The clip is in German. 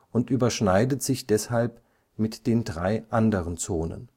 und überschneidet sich deshalb mit den drei anderen Zonen